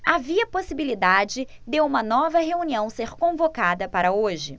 havia possibilidade de uma nova reunião ser convocada para hoje